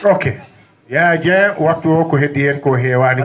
ok Yaya Dieng waftu o ko heddi hen ko heewani